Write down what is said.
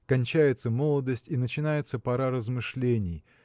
– кончается молодость и начинается пора размышлений